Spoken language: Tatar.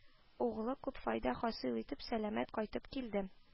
Углы күп файда хасыйл итеп, сәламәт кайтып килде